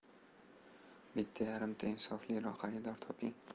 bitta yarimta insofliroq xaridor toping